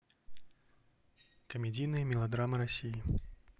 комедийные мелодрамы россии